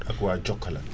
ak waa Jokalante